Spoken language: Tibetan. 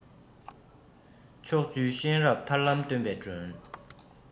ཕྱོགས བཅུའི གཤེན རབ ཐར ལམ སྟོན པའི སྒྲོན